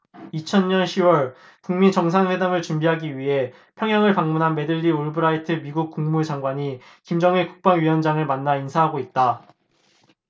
이천 년 시 월 북 미 정상회담을 준비하기 위해 평양을 방문한 매들린 올브라이트 미국 국무장관이 김정일 국방위원장을 만나 인사하고 있다